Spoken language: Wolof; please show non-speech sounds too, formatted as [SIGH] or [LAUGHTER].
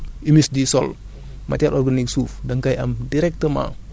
dafay mel ni rekk [HESITATION] li ñu naan [HESITATION] humus du sol